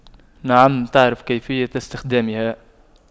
نعم تعرف كيفية استخدامها